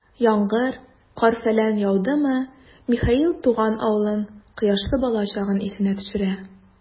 Яңгыр, кар-фәлән яудымы, Михаил туган авылын, кояшлы балачагын исенә төшерә.